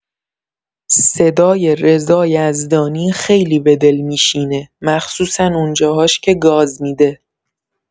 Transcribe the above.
صدای رضا یزدانی خیلی به دل میشینه، مخصوصا اونجاهاش که گاز می‌ده.